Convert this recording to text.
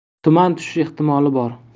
tuman tushishi ehtimoli bor